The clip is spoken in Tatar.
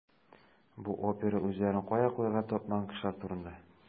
Бу опера үзләрен кая куярга тапмаган кешеләр турында.